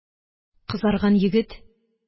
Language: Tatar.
Кызарган егет: